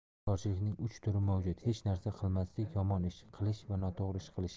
bekorchilikning uch turi mavjud hech narsa qilmaslik yomon ish qilish va noto'g'ri ish qilish